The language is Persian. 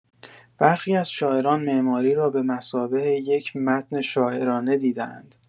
برخی از شاعران معماری را به‌مثابه یک متن شاعرانه دیده‌اند.